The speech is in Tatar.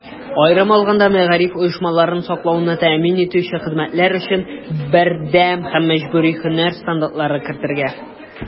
Аерым алганда, мәгариф оешмаларын саклауны тәэмин итүче хезмәткәр өчен бердәм һәм мәҗбүри һөнәри стандартлар кертергә.